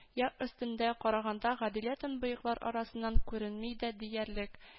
Яр өстендә караганда Гадилә төнбоеклар арасыннан күренми дә диярлек